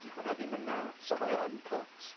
'Di hwnna ddim yn "Na.". So mae o yn cult?